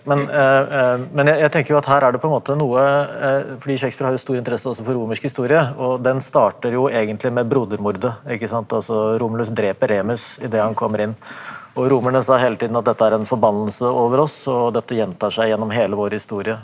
men men jeg tenker jo at her er det på en måte noe fordi Shakespeare har jo stor interesse også for romersk historie og den starter jo egentlig med brodermordet ikke sant altså Romulus dreper Remus i det han kommer inn og romerne sa hele tiden at dette er en forbannelse over oss og dette gjentar seg gjennom hele vår historie.